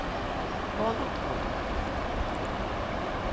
góða nátt góði